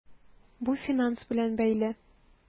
Бу финанс белән бәйле.